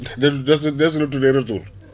*** la tuddee retour